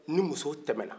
ni muso tɛmɛna